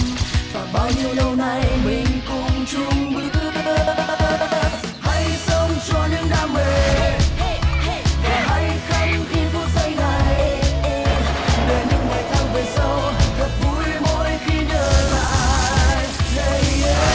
và bao nhiêu lâu nay mình cùng chung bước hãy sống cho những đam mê và hãy khắc ghi phút giây này để những ngày tháng về sau thật vui mỗi khi nhớ lại